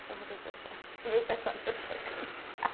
Oherwydd ryw betha ryw betha am y tro cyntaf.